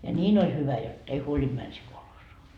ja niin oli hyvä jotta ei huolinut mennä siihen kolhoosiin